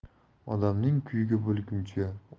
odamning kuyugi bo'lguncha